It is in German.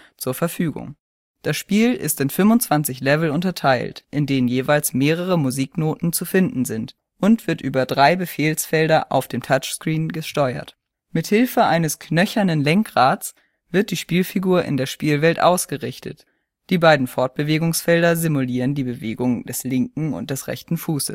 zur Verfügung. Das Spiel ist in 25 Level unterteilt, in denen jeweils mehrere Musiknoten zu finden sind, und wird über drei Befehlsfelder auf dem Touchscreen gesteuert. Mit Hilfe eines „ knöchernen Lenkrads “wird die Spielfigur in der Spielwelt ausgerichtet, die beiden Fortbewegungsfelder simulieren die Bewegung des linken und rechten Fußes